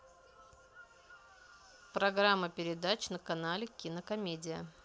программа передач на канале кинокомедия